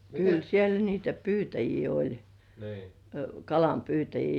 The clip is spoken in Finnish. kyllä siellä niitä pyytäjiä oli kalanpyytäjiä